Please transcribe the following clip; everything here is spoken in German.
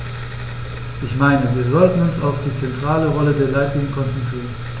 Ich meine, wir sollten uns auf die zentrale Rolle der Leitlinien konzentrieren.